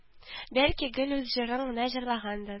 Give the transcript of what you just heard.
Бәлки, гел үз җырын гына җырлагандыр